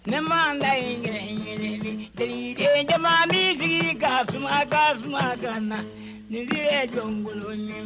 Ne bɛ jama b mini jigin ka ka su ka na nin jɔnkolon